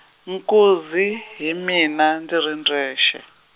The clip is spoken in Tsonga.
nkuzi , hi mina ndzi ri ndzexe.